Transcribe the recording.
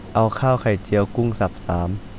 เอาข้าวไข่เจียวกุ้งสับสาม